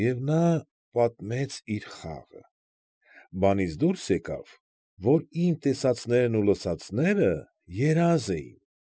Եվ նա պատմեց իր խաղը։ Բանից դուրս եկավ, որ իմ տեսածներն ու լսածները երազ էին։